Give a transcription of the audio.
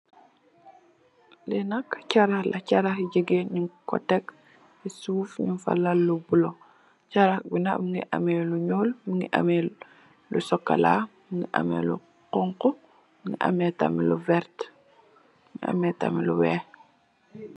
Li nak charah la, charah he bu jigeen, nung ko tekk, ci suuf nung fa lal lu bulo. Charah bi nak mungi ameh lu ñuul, mungi ameh lu sokola, mungi ameh lu honku, mungi ameh tamit lu vert, mungi ameh tamit lu weeh.